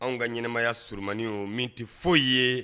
Anw ka ɲɛnɛmaya surumani o min tɛ foyi ye